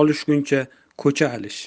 olishguncha ko'cha alish